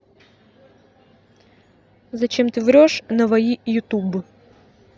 зачем ты врешь navai youtube